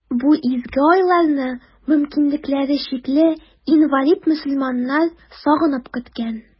Бу изге айларны мөмкинлекләре чикле, инвалид мөселманнар сагынып көткән.